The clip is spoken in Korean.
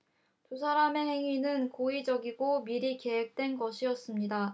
두 사람의 행위는 고의적이고 미리 계획된 것이었습니다